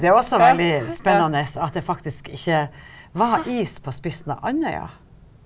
det er også veldig spennende at det faktisk ikke var is på spissen av Andøya.